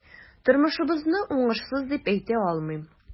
Тормышыбызны уңышсыз дип әйтә алмыйм.